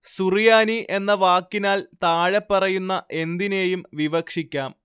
സുറിയാനി എന്ന വാക്കിനാല്‍ താഴെപ്പറയുന്ന എന്തിനേയും വിവക്ഷിക്കാം